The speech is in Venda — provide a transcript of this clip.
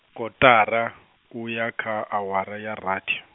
kotara, uya kha awara ya rathi.